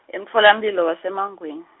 emtfolamphilo waseMangwen-.